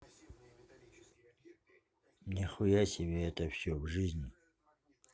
нихуя себе это все в жизни